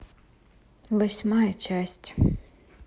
восьмая часть